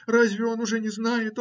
Разве он уже не знает?